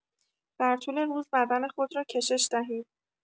در طول روز بدن خود را کشش دهید.